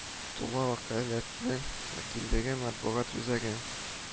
Тулы вәкаләтле вәкиллеге матбугат үзәге